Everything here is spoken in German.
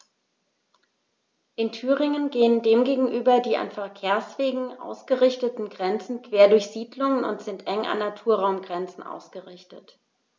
In Thüringen gehen dem gegenüber die an Verkehrswegen ausgerichteten Grenzen quer durch Siedlungen und sind eng an Naturraumgrenzen ausgerichtet.